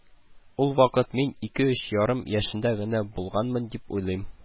Ул вакыт мин ике-өч ярым яшендә генә булганмын дип уйлыйм